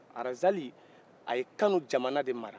razali a ye kani jamana de mara